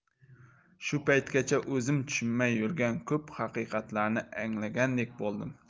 shu paytgacha o'zim tushunmay yurgan ko'p haqiqatlarni anglagandek bo'ldim